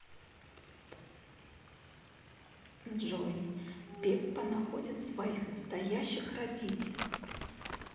джой пеппа находит своих настоящих родителей